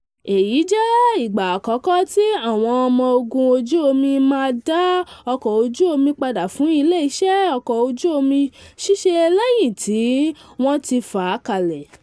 Èyí jẹ ìgbà àkọ́kọ́ tí Àwọn ọ́mọ ogun ojú omi máa dá ọkọ̀ ojú omi padà fún ilé iṣẹ́ ọkọ̀ ojú omi ṣiṣe lẹ́yìn tí wọn ti fà á kalẹ̀.